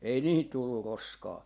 ei niihin tullut roskaa